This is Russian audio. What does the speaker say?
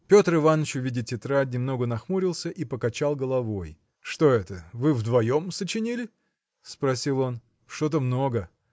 Петр Иваныч, увидя тетрадь, немного нахмурился и покачал головой. – Что это, вы вдвоем сочинили? – спросил он, – что-то много.